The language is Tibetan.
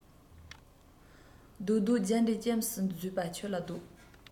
བཟློག བཟློག རྒྱ འདྲེ སྐྱེམས སུ བརྫུས པ ཁྱོད ལ བཟློག